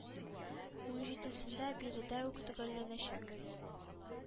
Унҗидесендә биредә үк төгәлләнәчәк.